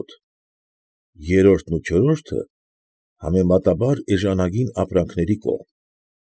Մոտ, երրորդն ու չորրորդը համեմատաբար էժանագին ապրանքների կողմ։